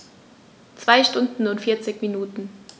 2 Stunden und 40 Minuten